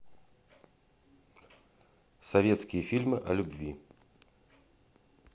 советские фильмы о любви